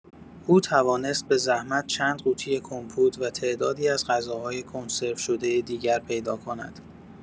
او توانست به زحمت چند قوطی کمپوت و تعدادی از غذاهای کنسروشده دیگر پیدا کند.